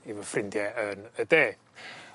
i fy ffrindie yn y de